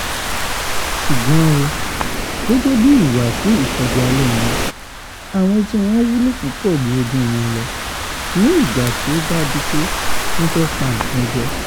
Ṣùgbọ́n o, gẹ́gẹ́bí ìhùwàsí ìṣọdẹ alẹ̀ wọn, Àwọn etí wọn wúlò púpọ̀ ju ojú wọn lọ ní ìgbà tí ó bá dí pé wọn fẹ́ pa ńkan jẹ.